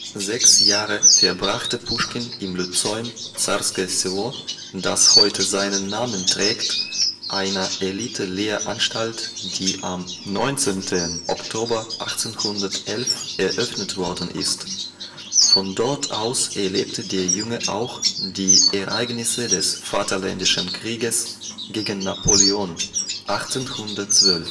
Sechs Jahre verbrachte Puschkin im Lyzeum Zarskoje Selo (das heute seinen Namen trägt), einer Elite-Lehranstalt, die am 19. Oktober 1811 eröffnet worden ist. Von dort aus erlebte der Junge auch die Ereignisse des Vaterländischen Krieges gegen Napoleon (1812